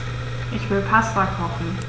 Ich will Pasta kochen.